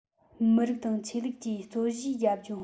མི རིགས དང ཆོས ལུགས ཀྱི རྩོད གཞིའི རྒྱབ ལྗོངས